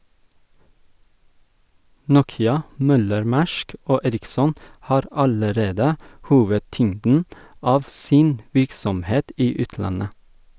Nokia, Møller-Mærsk og Ericsson har allerede hovedtyngden av sin virksomhet i utlandet.